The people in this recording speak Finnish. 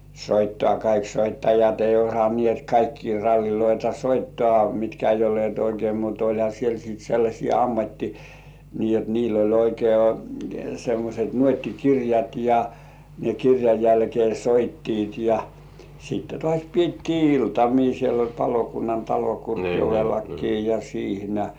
kaikki soittajat ei osanneet kaikkia ralleja soittaa mitkä ei olleet oikein mutta olihan siellä sitten sellaisia - niin jotta niillä oli oikein semmoiset nuottikirjat ja ne kirjan jälkeen soittivat ja sitten taas pidettiin iltamia siellä oli palokunnantalo Kurkijoellakin ja siinä